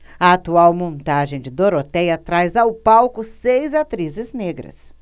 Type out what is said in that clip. a atual montagem de dorotéia traz ao palco seis atrizes negras